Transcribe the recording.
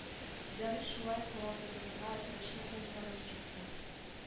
Ярый шулай кыландырырга тырышырмын барып чыкса